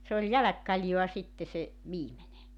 se oli jälkikaljaa sitten se viimeinen